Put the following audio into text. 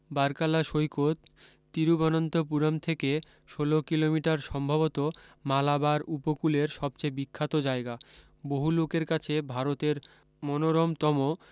বার্কালা সৈকত তিরুবনন্তপুরম থেকে ষোলো কিলোমিটার সম্ভবত মালাবার উপকূলের সবচেয়ে বিখ্যাত জায়গা বহু লোকের কাছে ভারতের মনোরমতম